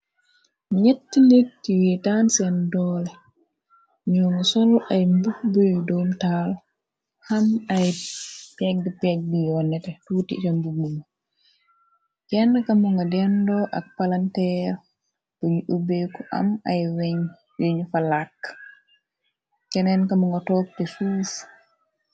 ñett nik yuy taan seen doole ñoo ngo solo ay mbut buyu doom taal xam ay pegg peg bi yoon nete tuuti ta mbumumu jenn kamu nga dendoo ak palanteer buñu ubeeku am ay weñ yuñu fa làkk keneen kamu nga toogte fuus